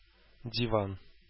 Диван